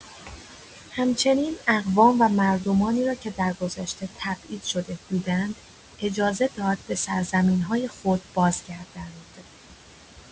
همچنین اقوام و مردمانی را که درگذشته تبعید شده بودند، اجازه داد به سرزمین‌های خود بازگردند.